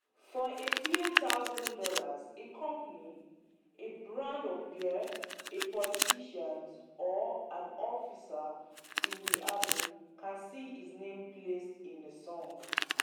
For a few thousand dollars, “a company, a brand of beer, a politicians, or an officer in the army” can see his name placed in a song.